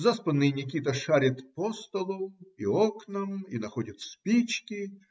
Заспанный Никита шарит по столу и окнам и находит спички.